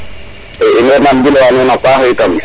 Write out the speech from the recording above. in way na gilwa nuuna paax it